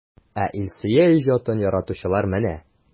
Ә Илсөя иҗатын яратучылар менә!